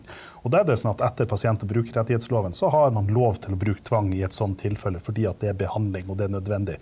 og da er det jo sånn at etter pasient- og brukerrettighetsloven, så har man lov til å bruke tvang i et sånt tilfelle fordi at det er behandling, og det er nødvendig.